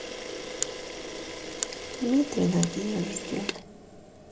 дмитрий нагиев ждет